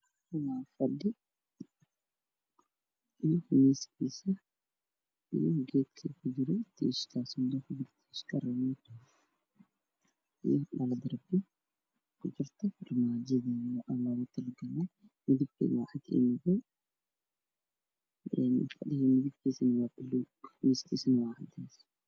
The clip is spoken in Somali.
Waa fadhi io miiskiisa